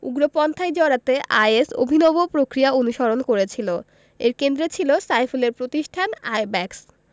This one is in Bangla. উগ্রপন্থায় জড়াতে আইএস অভিনব প্রক্রিয়া অনুসরণ করেছিল এর কেন্দ্রে ছিল সাইফুলের প্রতিষ্ঠান আইব্যাকস